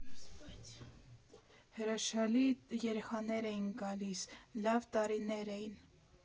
«Հրաշալի երեխաներ էին գալիս, լավ տարիներ էին։